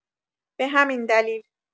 به همین دلیل